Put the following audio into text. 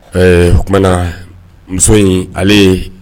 Ɛɛ o tumana muso in ale